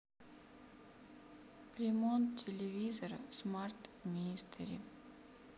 ремонт телевизора смарт мистери